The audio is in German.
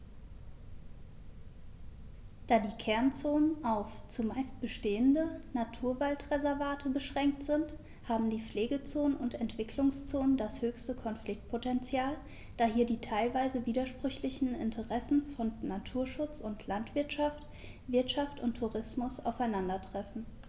Da die Kernzonen auf – zumeist bestehende – Naturwaldreservate beschränkt sind, haben die Pflegezonen und Entwicklungszonen das höchste Konfliktpotential, da hier die teilweise widersprüchlichen Interessen von Naturschutz und Landwirtschaft, Wirtschaft und Tourismus aufeinandertreffen.